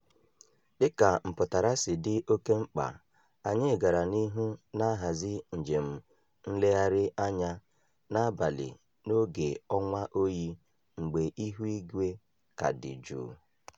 Dịka mpụtara si dị oke mma, anyị gara n'ihu na-ahazi njem nlegharị anya n'abalị n'oge ọnwa oyi mgbe ihu igwe ka dị jụụ.